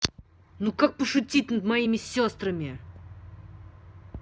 ну как пошутить над моими сестрами